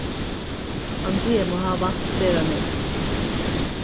andrea má hava vant sera nógv